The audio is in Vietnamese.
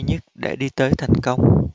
nhất để đi tới thành công